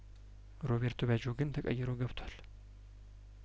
ሮቤርቶ ባጅዮ ግን ተቀይሮ ገብቷል